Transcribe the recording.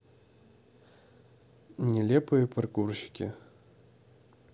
нелепые паркурщики